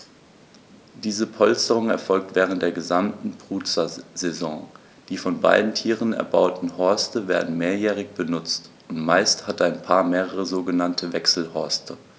Diese Polsterung erfolgt während der gesamten Brutsaison. Die von beiden Tieren erbauten Horste werden mehrjährig benutzt, und meist hat ein Paar mehrere sogenannte Wechselhorste.